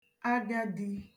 agadị̄